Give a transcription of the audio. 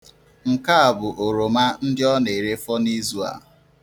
Nke a bụ oroma ndị ọ na-erefọ n'izu a.